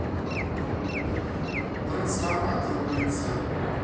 трансформатор улица